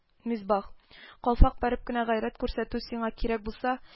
Мисбах. Калфак бәреп кенә гайрәт күрсәтү сиңа кирәк булса